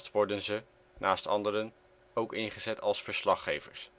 worden ze, naast anderen, ook ingezet als verslaggevers